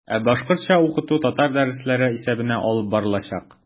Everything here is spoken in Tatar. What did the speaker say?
Ә башкортча укыту татар дәресләре исәбенә алып барылачак.